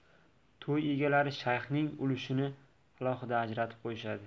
to'y egalari shayxning ulushini alohida ajratib qo'yishadi